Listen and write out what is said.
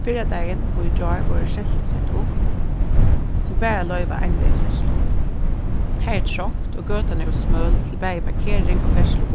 fyrradagin og í gjár vórðu skelti sett upp sum bara loyva einvegis ferðslu har er trongt og gøtan er ov smøl til bæði parkering og ferðslu